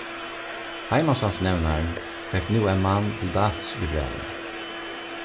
heimasandsnevnarin fekk nú ein mann til dals við brævinum